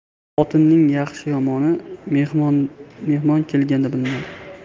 xotinning yaxshi yomoni mehmon kelganda bilinar